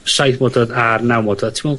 saith modfedd a'r naw modfedd t'me'wl...